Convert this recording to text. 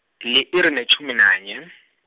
li-iri netjhumi nanye.